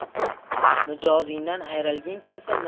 mijozingdan ayrilging kelsa